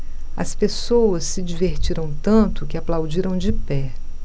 as pessoas se divertiram tanto que aplaudiram de pé